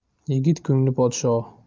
yigit ko'ngli podsho